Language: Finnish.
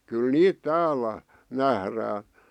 kyllä niitä täällä nähdään